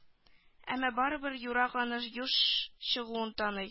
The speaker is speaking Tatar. Әмма барыбер юра-ганы юш чыгуын таный